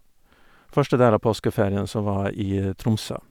Første del av påskeferien så var jeg i Tromsø.